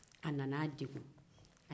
a nan'a degun